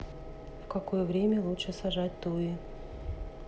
в какое время лучше сажать туи